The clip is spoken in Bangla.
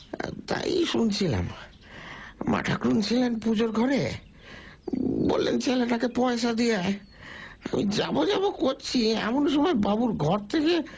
তাই শুনছিলাম মা ঠাকরুণ ছিলেন পুজোর ঘরে বললেন ছেলেটাকে পয়সা দিয়ে আয় আমি যাব যাব করছি এমন সময় বাবুর ঘর থেকে